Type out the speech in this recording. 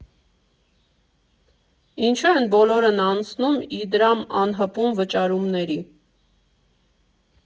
Ինչո՞ւ են բոլորն անցնում Իդրամ անհպում վճարումների։